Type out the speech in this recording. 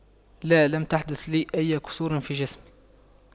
لا لم تحدث لي أي كسور في جسمي